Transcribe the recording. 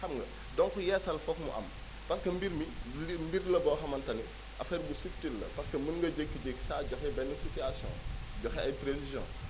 xam nga donc yeesal foog mu am parce que mbir mi li mbir la boo xamante ni affaire bu subtile la parce que mën nga jékki-jékki saa joxe benn situation joxe ay prévisions